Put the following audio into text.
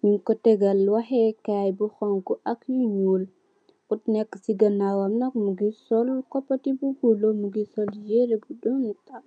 nung ko tègal wahèkaay bu honku ak yu ñuul. Ku nekk ci ganaawam nak mungi sol copoti bu bulo, mungi sol yiré bu doomital.